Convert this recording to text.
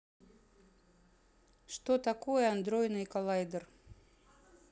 что такое андроидный калайдер